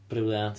Briliant.